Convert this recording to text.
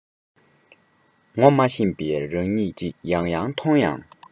ངོ མི ཤེས པའི རང ཉིད ཅིག ཡང ཡང མཐོང ཡང